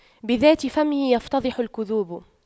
بذات فمه يفتضح الكذوب